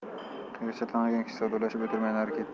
qiyiqcha tang'igan kishi savdolashib o'tirmay nari ketdi